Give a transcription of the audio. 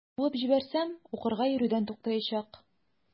Куып җибәрсәм, укырга йөрүдән туктаячак.